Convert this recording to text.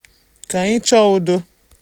Ka anyị chọọ udo.